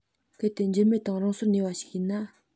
གལ ཏེ འགྱུར མེད དང རང སོར གནས པ ཞིག ཡིན ན